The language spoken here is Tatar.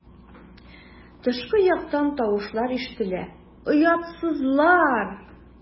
Тышкы яктан тавышлар ишетелә: "Оятсызлар!"